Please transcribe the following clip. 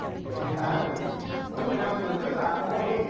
mười tám đúng mười năm lần trước là anh công vinh ghi